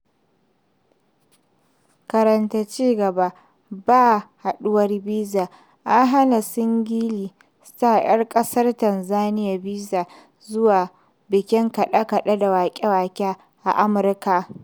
Karanta cigaba: "Ba Haduwar Biza". An hana Singeli stars 'yan ƙasar Tanzaniya bizar zuwa bikin kaɗe-kaɗe da waƙe-waƙe a Amurka.